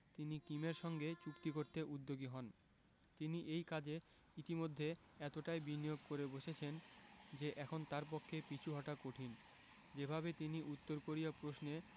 তিনি কিমের সঙ্গে চুক্তি করতে উদ্যোগী হন তিনি এই কাজে ইতিমধ্যে এতটাই বিনিয়োগ করে বসেছেন যে এখন তাঁর পক্ষে পিছু হটা কঠিন যেভাবে তিনি উত্তর কোরিয়া প্রশ্নে